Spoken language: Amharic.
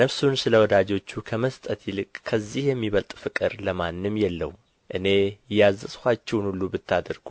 ነፍሱን ስለ ወዳጆቹ ከመስጠት ይልቅ ከዚህ የሚበልጥ ፍቅር ለማንም የለውም እኔ ያዘዝኋችሁን ሁሉ ብታደርጉ